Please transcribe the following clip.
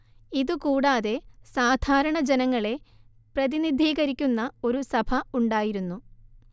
ഇതു കൂടാതെ സാധാരണ ജനങ്ങളെ പ്രതിനിധീകരിക്കുന്ന ഒരു സഭ ഉണ്ടായിരുന്നു